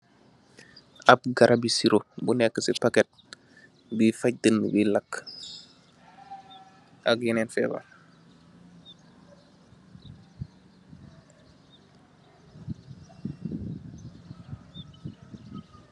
Am garabi siro nu nekka ci paket bi fajj danabi làk ak yenen fèbarr.